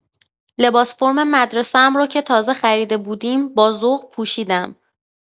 لباس فرم مدرسه‌م رو که تازه خریده بودیم با ذوق پوشیدم.